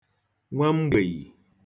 nwamgbèì